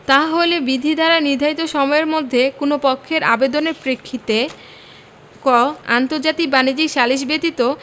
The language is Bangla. তাহা হইলে বিধি দ্বারা নির্ধারিত সময়ের মধ্যে কোন পক্ষের আবেদনের প্রেক্ষিতে ক আন্তর্জাতিক বাণিজ্যিক সালিস ব্যতীত